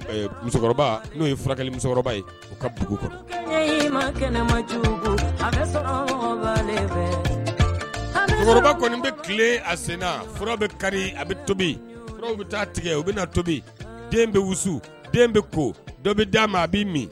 Musokɔrɔba n'o ye furakɛli musokɔrɔba ye kɔni bɛ tile a sen bɛ kari a bɛ tobi bɛ taa tigɛ u bɛ na tobi den bɛ wusu den bɛ ko dɔ bɛ d'a ma a bɛ min